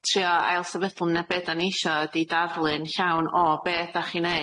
trio ailsefydlu na be' 'dan ni isio ydi darlun llawn o be' ydach chi'n neud